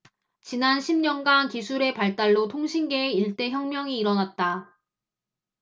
지난 십 년간 기술의 발달로 통신계에 일대 혁명이 일어났다